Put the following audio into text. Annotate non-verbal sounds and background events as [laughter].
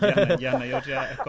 [laughs] jeex na jeex na yow tu as